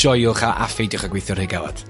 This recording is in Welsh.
joiwch a affi. Diwch y gweithio'r rhugalod